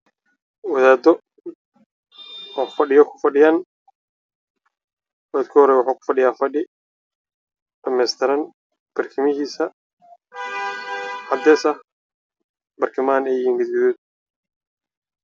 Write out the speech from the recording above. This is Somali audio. Wadaado oo fadhi kufadhiyo quraan akhrinaayo